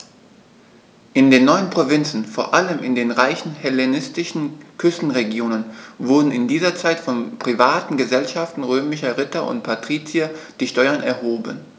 In den neuen Provinzen, vor allem in den reichen hellenistischen Küstenregionen, wurden in dieser Zeit von privaten „Gesellschaften“ römischer Ritter und Patrizier die Steuern erhoben.